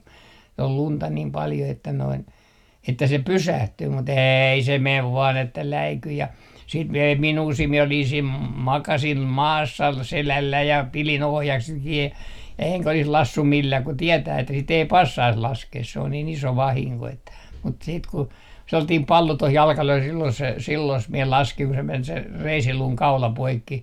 oli lunta niin paljon että noin että se pysähtyy mutta ei se meni vain että läikyi ja sitten - ei minua siinä minä olin siinä - makasin maassa selälläni ja pidin ohjakset kiinni enkä olisi laskenut millään kun tietää että sitä ei passaisi laskea se on niin iso vahinko että mutta sitten kun sellainen pallo tuohon jalkaan löi silloin se silloin minä laskin kun se meni se reisiluun kaula poikki